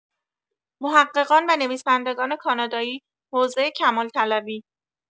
محققان و نویسندگان کانادایی حوزه کمال‌طلبی